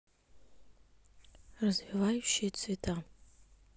развивающие цвета